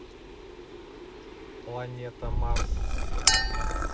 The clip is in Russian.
планета марс